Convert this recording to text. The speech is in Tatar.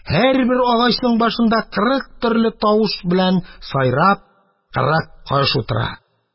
Һәрбер агачның башында, кырык төрле тавыш белән сайрап, кырык кош утыра.